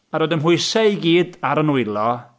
a rhoi fy mhwysau i gyd ar y nwylo...